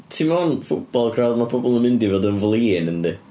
Ti mewn football crowd, ma' pobl yn mynd i fod yn flin, yndi?